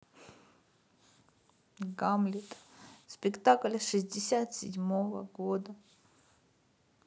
гамлет спектакль шестьдесят седьмого года